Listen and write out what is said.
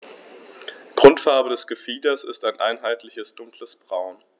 Grundfarbe des Gefieders ist ein einheitliches dunkles Braun.